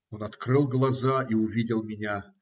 Он открыл глаза и увидел меня.